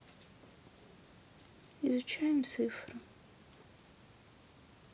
изучаем цифры